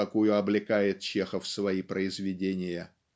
в какую облекает Чехов свои произведения.